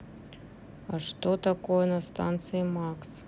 а что такое на станции макс